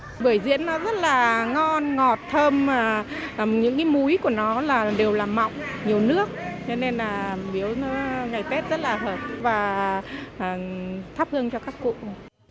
bưởi diễn nó rất là ngon ngọt thơm mà những múi của nó là điều làm mỏng nhiều nước cho nên là biếu ngày tết rất lạ và thắp hương cho các cụ